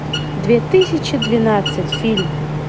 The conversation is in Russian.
две тысячи двенадцать фильм